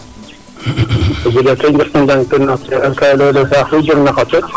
Jega teen kee i eet ina njangna teen ee saax lu jegna xa coc